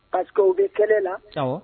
Pariseke u bɛ kɛlɛ la